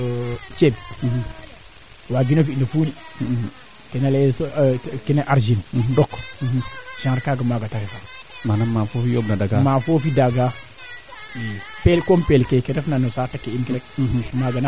ko ga 'oogu hectare naa ando naye kaa fiyoogu tap tap ndiiki waaga xoox deux hectare trois hectare jeg kiro ndap kon nade refee yaajelo laa exemple o qol ino leŋ im xotit kaa exemple i ngoox angaan mete deyoog na